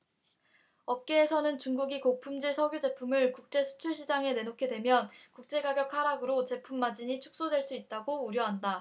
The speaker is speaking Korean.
업계에서는 중국이 고품질 석유 제품을 국제 수출 시장에 내놓게 되면 국제가격 하락으로 제품 마진이 축소될 수 있다고 우려한다